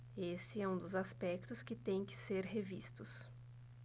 esse é um dos aspectos que têm que ser revistos